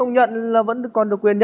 không nhận là vẫn còn quyền